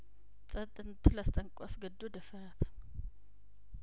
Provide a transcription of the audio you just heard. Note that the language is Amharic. ጸጥ እንድትል አስጠንቅቆ አስገድዶ ደፈራት